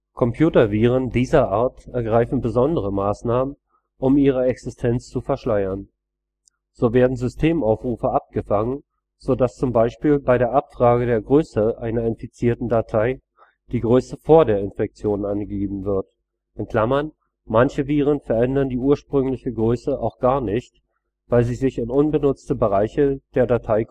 Computerviren dieser Art ergreifen besondere Maßnahmen, um ihre Existenz zu verschleiern. So werden Systemaufrufe abgefangen, so dass zum Beispiel bei der Abfrage der Größe einer infizierten Datei die Größe vor der Infektion angegeben wird (manche Viren verändern die ursprüngliche Größe auch gar nicht, weil sie sich in unbenutzte Bereiche der Datei